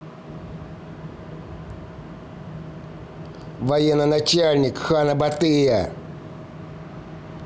военоначальник ханабатыя